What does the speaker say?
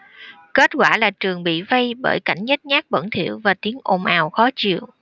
kết quả là trường bị vây bởi cảnh nhếch nhác bẩn thỉu và tiếng ồn ào khó chịu